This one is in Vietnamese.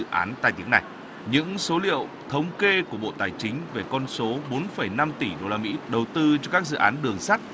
dự án tai tiếng này những số liệu thống kê của bộ tài chính về con số bốn phẩy năm tỷ đô la mỹ đầu tư cho các dự án đường sắt